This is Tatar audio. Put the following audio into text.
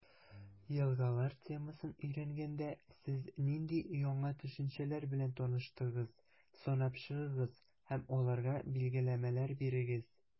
«елгалар» темасын өйрәнгәндә, сез нинди яңа төшенчәләр белән таныштыгыз, санап чыгыгыз һәм аларга билгеләмәләр бирегез.